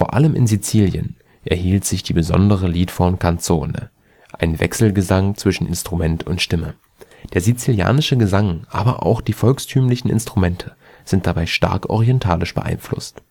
allem in Sizilien erhielt sich die besondere Liedform canzone, ein Wechselgesang zwischen Instrument und Stimme. Der sizilianische Gesang aber auch die volkstümlichen Instrumente sind dabei stark orientalisch beeinflusst